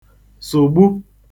sụ̀gbu